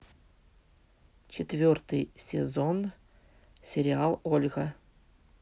четвертый сезон сериала ольга